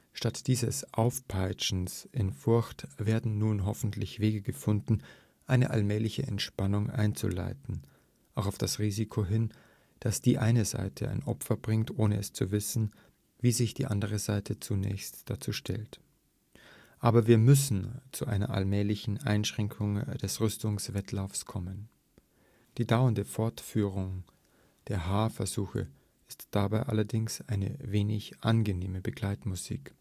Statt dieses Aufpeitschens in Furcht werden nun hoffentlich Wege gefunden, eine allmähliche Entspannung einzuleiten, auch auf das Risiko hin, dass die eine Seite ein Opfer bringt, ohne zu wissen, wie sich die andere Seite zunächst dazu stellt. Aber wir müssen zu einer allmählichen Einschränkung des Rüstungswettlaufs kommen! Die dauernde Fortführung der H-Versuche ist dabei allerdings eine wenig angenehme Begleitmusik